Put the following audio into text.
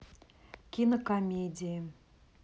кино комедии